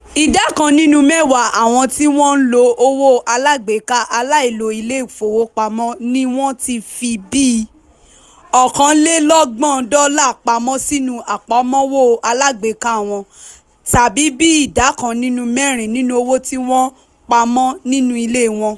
Ìdá kan nínú mẹ́wàá àwọn tí wọ́n ń lo owó alágbèéká aláìlo-ilé-ìfowópamọ̀ ni wọ́n tí ń fi bíi $31 pamọ́ sínú àpamọ́wọ́ alágbèéká wọn, tàbí bíi idà kan nínú mẹ́rin nínú owó tí wọ́n ń pamọ́ nínú ilé wọn.